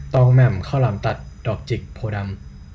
ตองแหม่มข้าวหลามตัดดอกจิกโพธิ์ดำ